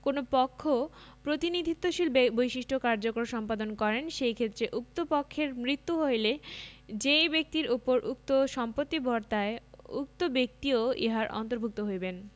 কোন পক্ষ প্রতিনিধিত্বশীল বৈশিষ্ট্যে কার্য সম্পাদন করেন সেই ক্ষেত্রে উক্ত পক্ষের মৃত্যু হইলে যেই ব্যক্তির উপর উক্ত সম্পত্তি বর্তায় উক্ত ব্যক্তিও ইহার অন্তর্ভুক্ত হইবেন